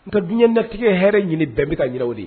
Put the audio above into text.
Nka dun natigɛ hɛrɛ ɲini bɛn bɛ ka yɛrɛw de ye